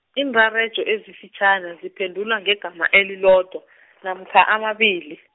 iinrarejo ezifitjhani ziphendulwa ngegama elilodwa, namkha amabili.